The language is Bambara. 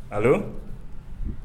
Ayiwa